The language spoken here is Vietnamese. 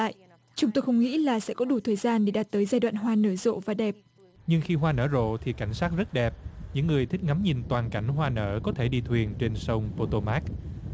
lại chúng tôi không nghĩ là sẽ có đủ thời gian để đạt tới giai đoạn hoa nở rộ và đẹp nhưng khi hoa nở rộ thì cảnh sát rất đẹp những người thích ngắm nhìn toàn cảnh hoa nở có thể đi thuyền trên sông phô tô mát